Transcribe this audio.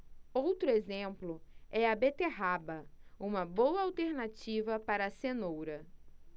outro exemplo é a beterraba uma boa alternativa para a cenoura